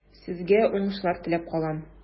Сезгә уңышлар теләп калам.